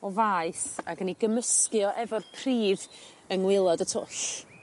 o faeth ag yn 'i gymysgu o efo'r pridd yng ngwaelod y twll.